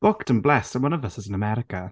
Booked and blessed, and one of us is in America.